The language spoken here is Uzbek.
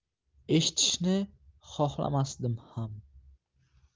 eshitishni xohlamasdim ham